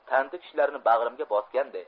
tanti kishilarni bag'rimga bosganday